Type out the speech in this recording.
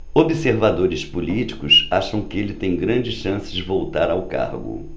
observadores políticos acham que ele tem grandes chances de voltar ao cargo